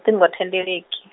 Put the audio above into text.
-tingo thendeleki.